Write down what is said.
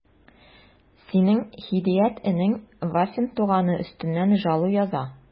Синең Һидият энең Вафин туганы өстеннән жалу яза...